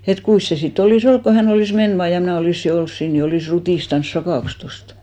että kuinkas se sitten olisi ollut kun hän olisi mennyt vain ja minä olisin ollut siinä niin olisi rutistanut sakaksi tuosta